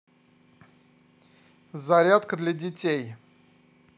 зарядка для детей